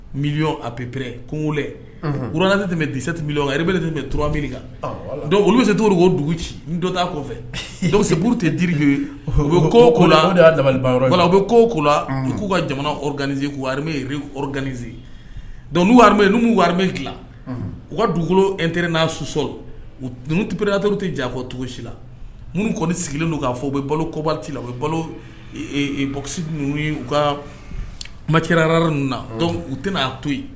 Miyɔn a pperere kogo woro de tɛmɛ bɛ disetibiyanre de tɛmɛ bɛ tura miri kan don olu bɛ se t' ko dugu ci dɔda kɔfɛ dɔw se b'u tɛ diki ye u bɛ ko kola u y' dabali yɔrɔ u bɛ ko kola u k'u ka jamana o ŋanizeie dɔnku n numuu waribe ki u ka dugukolo ntr n'a susɔ upere-r tɛ jan fɔ cogosi la minnu kɔni sigilen don k'a fɔ u bɛ balo kobati la u bɛ balo npogosi ninnu u ka macɛyarayara ninnu na u tɛna n'a to yen